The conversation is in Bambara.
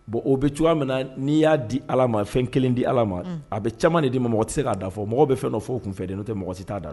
Bon o bɛ cogoya min na n'i y'a di ala ma fɛn kelen di ala ma a bɛ caman de di ma mɔgɔ tɛ se' da fɔ mɔgɔ bɛ fɛn fɔ tun fɛ n'o tɛ mɔgɔ si t'a da